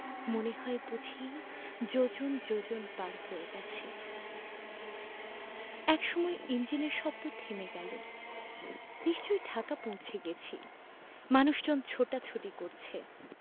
মনে হয় বুঝি যোজন যোজন পার হয়ে গেছে একসময় ইঞ্জিনের শব্দ থেমে গেলো নিশ্চয়ই ঢাকা পৌঁছে গেছি মানুষজন ছোটাছুটি করছে